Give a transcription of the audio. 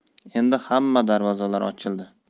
endi hamma darvozalar ochildi